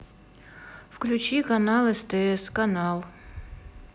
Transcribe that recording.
включи канал стс канал